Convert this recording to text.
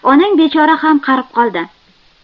onang bechora ham qarib qoldi